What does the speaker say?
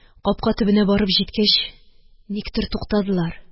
Капка төбенә барып җиткәч, никтер туктадылар.